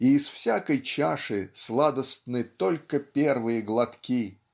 и из всякой чаши сладостны только первые глотки.